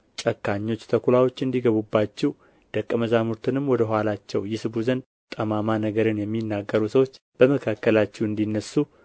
ጨካኞች ተኩላዎች እንዲገቡባችሁ ደቀ መዛሙርትንም ወደ ኋላቸው ይስቡ ዘንድ ጠማማ ነገርን የሚናገሩ ሰዎች በመካከላችሁ እንዲነሡ